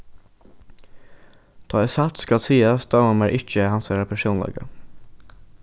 tá ið satt skal sigast dámar mær ikki hansara persónleika